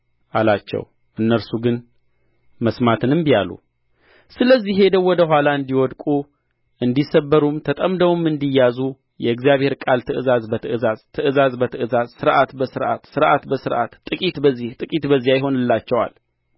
አላቸው እነርሱ ግን መስማትን እንቢ አሉ ስለዚህ ሄደው ወደ ኋላ እንዲወድቁ እንዲሰበሩም ተጠምደውም እንዲያዙ የእግዚአብሔር ቃል ትእዛዝ በትእዛዝ ትእዛዝ በትእዛዝ ሥርዓት በሥርዓት ሥርዓት በሥርዓት ጥቂት በዚህ ጥቂት በዚያ ይሆንላቸዋል